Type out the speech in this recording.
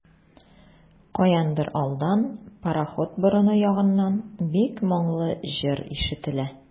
Каяндыр алдан, пароход борыны ягыннан, бик моңлы җыр ишетелә.